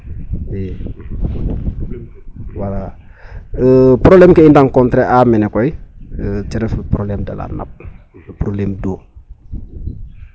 I wala problème ke i rencontre mene koy ten refu problème de le nape problème d' eau.